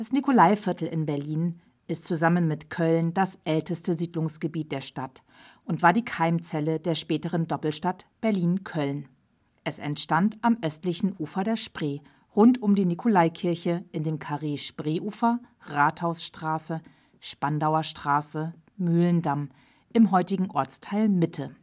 Nikolaiviertel in Berlin ist zusammen mit Cölln das älteste Siedlungsgebiet der Stadt und war die Keimzelle der späteren Doppelstadt Berlin-Cölln. Es entstand am östlichen Ufer der Spree rund um die Nikolaikirche in dem Karree Spreeufer – Rathausstraße – Spandauer Straße – Mühlendamm im heutigen Ortsteil Mitte